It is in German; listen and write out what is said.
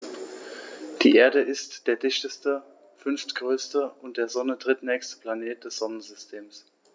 Die Erde ist der dichteste, fünftgrößte und der Sonne drittnächste Planet des Sonnensystems.